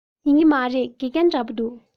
ཡིན གྱི མ རེད དགེ རྒན འདྲ པོ འདུག